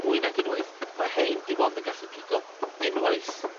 mwy nag unwaith. Ma 'hein dim ond yn gallu pigo unwaith.